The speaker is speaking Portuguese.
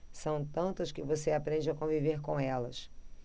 são tantas que você aprende a conviver com elas